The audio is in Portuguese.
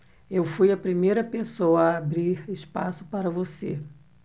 eu fui a primeira pessoa a abrir espaço para você